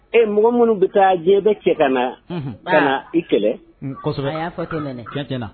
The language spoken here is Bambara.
E-e! Mɔgɔ minnu bɛ taa jiɲɛ bɛɛ cɛ ka na . Unhun . Ka na i kɛlɛ. Unhun. Kosɛbɛ. A y'a fɔ ten mɛnɛ. Tiɲɛ tiɲɛ na.